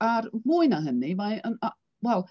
A'r mwy na hynny mae yn a- wel...